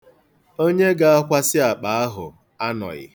Onye ga-akwasị akpa ahụ anọghị.